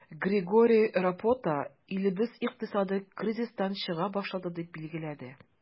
Григорий Рапота, илебез икътисады кризистан чыга башлады, дип билгеләде.